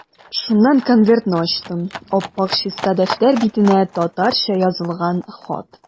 Шуннан конвертны ачтым, ап-ак чиста дәфтәр битенә татарча язылган хат.